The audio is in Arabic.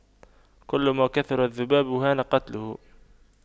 كلما كثر الذباب هان قتله